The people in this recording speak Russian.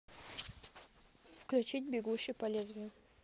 включить бегущий по лезвию